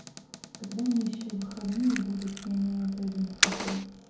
когда мне еще выходные будут я не пойду на футбол